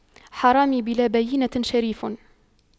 حرامي بلا بَيِّنةٍ شريف